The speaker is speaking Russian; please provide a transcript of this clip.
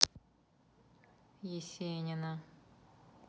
есенина